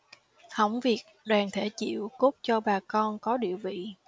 hỏng việc đoàn thể chịu cốt cho bà con có địa vị